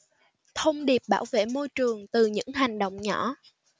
thông điệp bảo vệ môi trường từ những hành động nhỏ